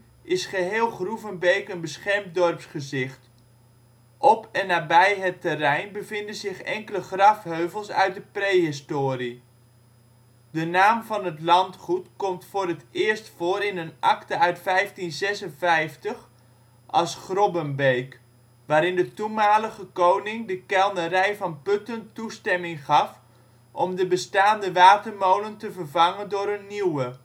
is geheel Groevenbeek een beschermd dorpsgezicht. Op en vlakbij het terrein bevinden zich enkele grafheuvels uit de prehistorie. De naam van het landgoed komt voor het eerst voor in een akte uit 1556 (als " Grobbenbeeck "), waarin de toenmalige koning de kelnarij van Putten toestemming gaf om de bestaande watermolen te vervangen door een nieuwe